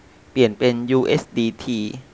เปลี่ยนเป็นยูเอสดีที